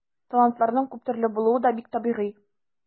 Талантларның күп төрле булуы да бик табигый.